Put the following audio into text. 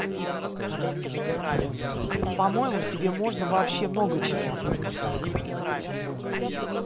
по моему тебе можно вообще много чего